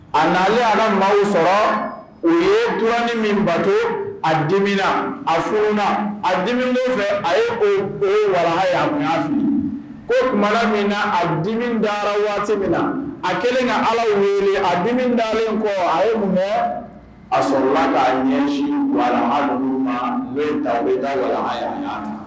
A na ala maa sɔrɔ o yeuran min bato a dimina a furuuna a dimi dɔw fɛ a ye o ko wala fili ko tuma min na a dimi da waati min na a kɛlen ka ala ye wele a dimi dalen kɔ a ye mun a sɔrɔ k'a ɲɛsin wala